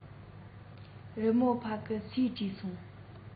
རི མོ ཕ གི སུས བྲིས སོང